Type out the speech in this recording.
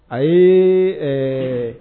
Ayi ɛɛ